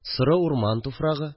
Соры урман туфрагы